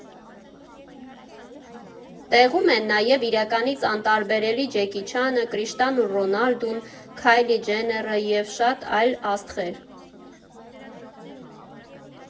Տեղում են նաև իրականից անտարբերելի Ջեկի Չանը, Կրիշտիանու Ռոնալդուն, Քայլի Ջենները և շատ այլ աստղեր։